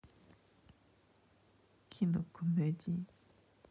кино комедии